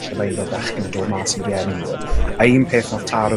lle mae un o'r bechgyn yn do' mas i rieni nw, a un peth nath taro